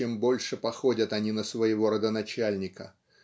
чем больше походят они на своего родоначальника